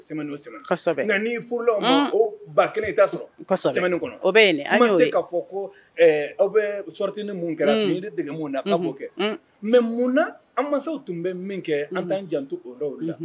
Sɛ'o nka n' furula ko ba kelen'a sɔrɔ kɔnɔ o bɛ an fɛ k' fɔ ko aw bɛ s sɔrɔti ni mun kɛra tun dɛgɛ munda ka'o kɛ mɛ mun na an masaw tun bɛ min kɛ an'an janto o yɔrɔw la